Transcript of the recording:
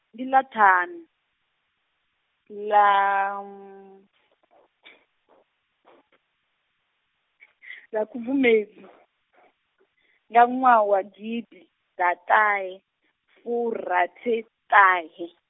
ndi ḽa ṱhanu, ḽa, ḽa Khubvumedzi , nga ṅwaha wa gidiḓaṱahefurathiṱahe.